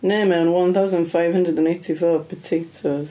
Neu mae o'n one thousand five hundred and eighty four potatoes.